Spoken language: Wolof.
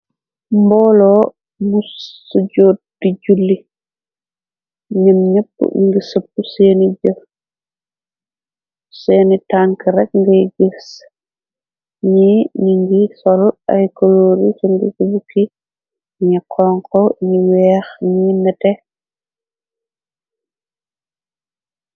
Mboolo musu jóodi julli ñun ñepp ngi sëpp seeni jër seeni tank rek ngay gifes ñi ñi ngi sol ay koloori su ngisi bukki ni konko ñi weex ñi nete.